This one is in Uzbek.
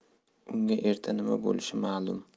unga ertaga nima bo'lishi ma'lum